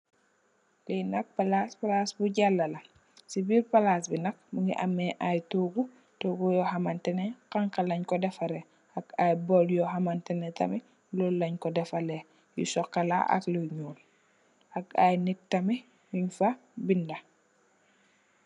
Li nak palac palac bu jala la si birr palac bi mogi ameh ay togu togu yu hamanteneh xana len ko defarex ak ay bowl yu hamanteneh tamit lolu lent ko dafare yu chocola ak lu nuul ak ay nit tamit nyun fa binda.